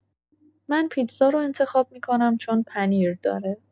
من پیتزا رو انتخاب می‌کنم چون پنیر داره.